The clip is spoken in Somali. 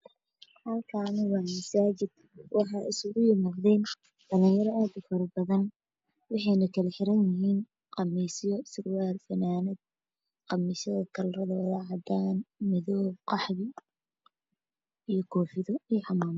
Halkani waa masaajid waxaa isu ha isugu yimaadeen dhalinyaro aad u fara badan waxayna kala xiran yihiin khamiisyo surwaalo fannaanado khamiisyada kalaradooda waa caddaan madow qaxwi iyo koofiido iyo camaamado